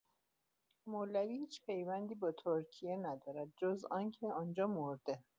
مولوی هیچ پیوندی با ترکیه ندارد جز آنکه آنجا مرده.